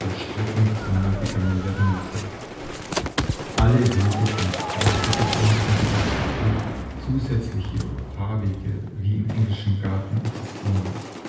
Strecken zweimal begangen werden müssen. Alle Wege sind wassergebunden ausgeführt, zusätzliche Fahrwege wie im Englischen Garten existieren nicht